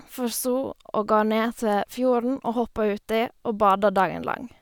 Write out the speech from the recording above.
For så å gå ned til fjorden og hoppe uti og bade dagen lang.